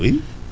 oui